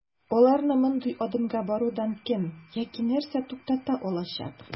Аларны мондый адымга барудан кем яки нәрсә туктата алачак?